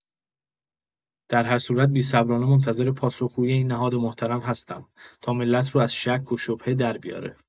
درهر صورت بی‌صبرانه منتظر پاسخگویی این نهاد محترم هستم، تا ملت رو از شک و شبهه دربیاره.